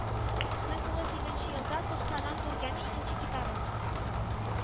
Мең тугыз илленче елда тупсадан түргә нең икенче китабы